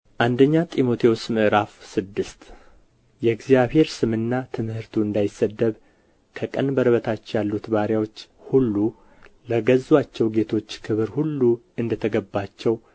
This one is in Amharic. አንደኛ ጢሞቴዎስ ምዕራፍ ስድስት የእግዚአብሔር ስምና ትምህርቱ አንዳይሰደብ ከቀንበር በታች ያሉቱ ባሪያዎች ሁሉ ለገዙአቸው ጌቶች ክብር ሁሉ እንደ ተገባቸው